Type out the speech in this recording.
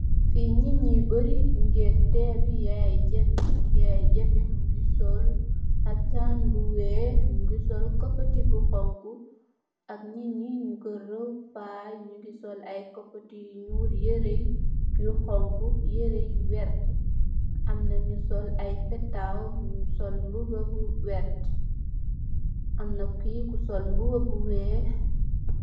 Fi nitt yu bari nyuge teru Yaya Jammeh mogi sol haftan bu weex mogi sol kuputi bu xonxu ak nitt yi goor pa yi nyugi sol ak kupati yu nuul yere yu xonxu yere yu verta amna nyu sol ay petaw amn yu sol mbuba bu werta amna ki ki sol mbuba bu weex.